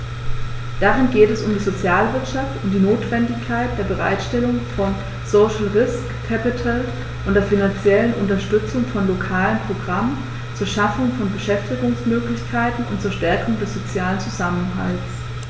Darin geht es um die Sozialwirtschaft und die Notwendigkeit der Bereitstellung von "social risk capital" und der finanziellen Unterstützung von lokalen Programmen zur Schaffung von Beschäftigungsmöglichkeiten und zur Stärkung des sozialen Zusammenhalts.